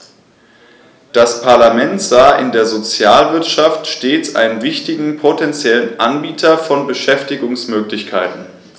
Das Parlament sah in der Sozialwirtschaft stets einen wichtigen potentiellen Anbieter von Beschäftigungsmöglichkeiten.